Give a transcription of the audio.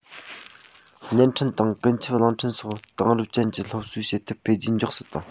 བརྙན འཕྲིན དང ཀུན ཁྱབ རླུང འཕྲིན སོགས དེང རབས ཅན གྱི སློབ གསོའི བྱེད ཐབས འཕེལ རྒྱས མགྱོགས སུ གཏོང